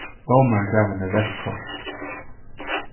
dómarin gav henni reytt kort